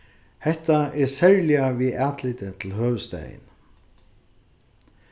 hetta er serliga við atliti til høvuðsstaðin